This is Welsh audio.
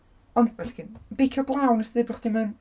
Ond... Well gen... beicio'n glaw wnest ti ddeud bod chdi'm yn...